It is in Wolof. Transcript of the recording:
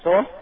ça va